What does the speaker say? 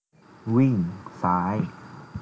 วิ่งซ้าย